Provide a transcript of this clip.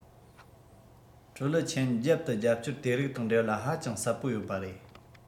ཀྲུའུ ལི ཆན རྒྱབ ཏུ རྒྱབ སྐྱོར དེ རིགས དང འབྲེལ བ ཧ ཅང ཟབ པོ ཡོད པ རེད